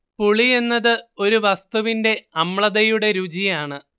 പുളി എന്നത് ഒരു വസ്തുവിലെ അമ്ളതയുടെ രുചി ആണ്